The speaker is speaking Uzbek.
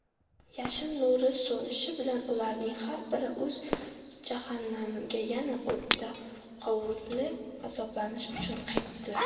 yashin nuri so'nishi bilan ularning har biri o'z jahannamiga yana o'tda qovurilish azoblanish uchun qaytdilar